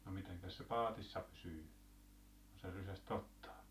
no mitenkäs se paatissa pysyy kun sen rysästä ottaa